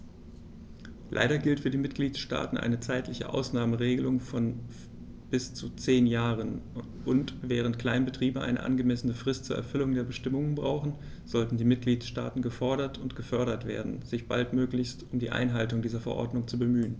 Leider gilt für die Mitgliedstaaten eine zeitliche Ausnahmeregelung von bis zu zehn Jahren, und, während Kleinbetriebe eine angemessene Frist zur Erfüllung der Bestimmungen brauchen, sollten die Mitgliedstaaten gefordert und gefördert werden, sich baldmöglichst um die Einhaltung dieser Verordnung zu bemühen.